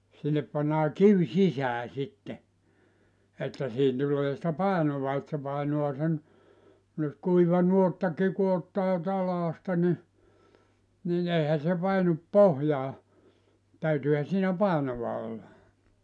sinne pannaan kivi sisään sitten että siihen tulee sitä painoa että se painaa sen nyt kuiva nuottakin kun ottaa talaasta niin niin eihän se painu pohjaan täytyyhän siinä painoa olla